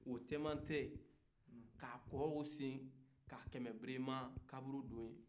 o cɛmancɛ ka kɔɔ o sen ka kɛmɛ-berema kaburu dɔn ye